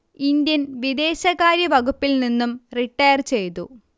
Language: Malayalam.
ഇന്ത്യൻ വിദേശകാര്യ വകുപ്പിൽ നിന്നും റിട്ടയർ ചെയ്തു